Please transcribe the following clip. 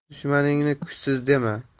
dushmanni kuchsiz dema